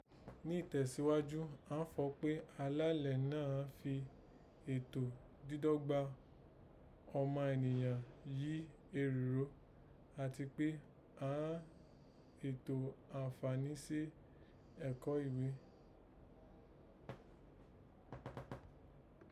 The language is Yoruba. Nitesighaju, àán fọ̀ọ́ kpé àlàálẹ̀ náà fi ẹ̀tọ́ dídọ́gba ọma ènìyàn yìí eròghó àti kpé àán ẹ̀tọ́ àǹfààní sí ẹ̀kọ́ ìghé